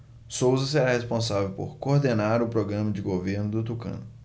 souza será responsável por coordenar o programa de governo do tucano